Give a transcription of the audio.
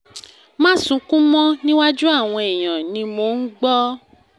”Má sunkún mọ níwájú àwọn èèyàn,” ni mò ń gbọ́.